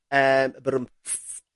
yym barwmpf pf pf.